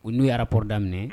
U n'u yɛrɛɔrɔ daminɛ